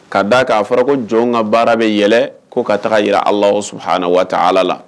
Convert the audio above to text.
Ka d'a kan a fɔra ko jɔnw ka baara bɛ yɛlɛ ko ka taga jira Alahu subahana wataala la